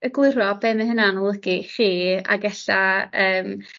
egluro be' ma' hynna'n olygu i chi ag e'lla yym